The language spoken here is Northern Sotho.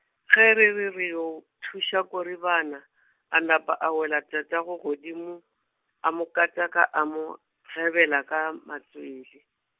ge re re re yo thuša Koribana, a napa a wela tatago godimo, a mo kataka a mo, gebela ka matswele.